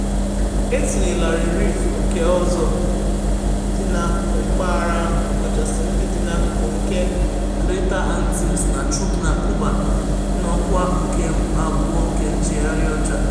E tinyelarị Reef ndị ọzọ dị n'akụkụ mpaghara ahụ, ọkachasị ndị dị n'akụkụ nke Greater Antilles na Cuba, n'ọkwa nke abụọ nke nchagharị ọcha: